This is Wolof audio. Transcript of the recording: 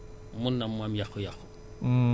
ñun dañuy xayma ne dix pour cent yi